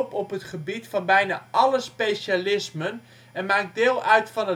op het gebied van bijna alle specialismen en maakt deel uit van